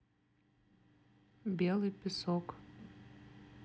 белый песок